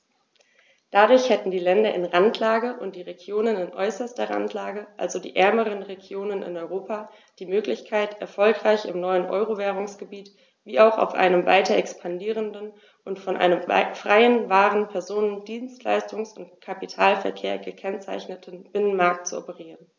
Dadurch hätten die Länder in Randlage und die Regionen in äußerster Randlage, also die ärmeren Regionen in Europa, die Möglichkeit, erfolgreich im neuen Euro-Währungsgebiet wie auch auf einem weiter expandierenden und von einem freien Waren-, Personen-, Dienstleistungs- und Kapitalverkehr gekennzeichneten Binnenmarkt zu operieren.